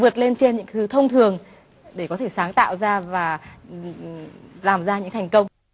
vượt lên trên những thứ thông thường để có thể sáng tạo ra và làm ra những thành công